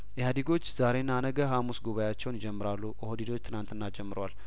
ኢህአዴጐች ዛሬ ነገና ሀሙስ ጉባኤያቸውን ይጀምራሉ ኦህዴድ ትናንትና ጀምሯል